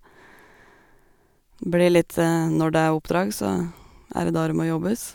Blir litt, når det er oppdrag, så er det da det må jobbes.